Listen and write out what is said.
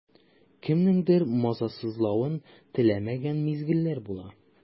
Кемнеңдер мазасызлавын теләмәгән мизгелләр була.